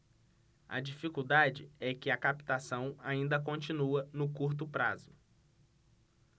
a dificuldade é que a captação ainda continua no curto prazo